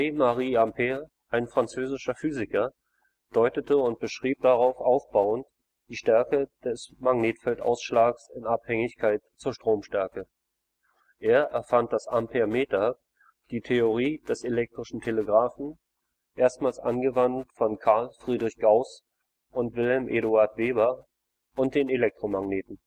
André-Marie Ampère, ein französischer Physiker, deutete und beschrieb darauf aufbauend die Stärke des Magnetfeldausschlags in Abhängigkeit zur Stromstärke. Er erfand das „ Amperemeter “, die Theorie des elektrischen Telegraphen, erstmals angewandt von Carl Friedrich Gauß und Wilhelm Eduard Weber, und den Elektromagneten